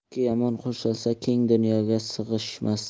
ikki yomon qo'shilsa keng dunyoga siyg'ishmas